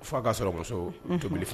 Fo kaa sɔrɔbili